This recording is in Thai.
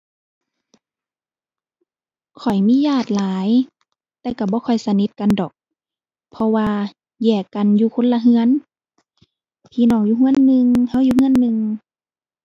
ข้อยมีญาติหลายแต่ก็บ่ค่อยสนิทกันดอก เพราะว่าแยกกันอยู่คนละก็ พี่น้องอยู่ก็หนึ่ง ก็อยู่ก็หนึ่ง